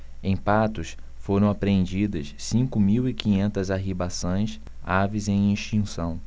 em patos foram apreendidas cinco mil e quinhentas arribaçãs aves em extinção